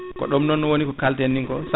ko ɗum ɗon woni ko kalten ni ko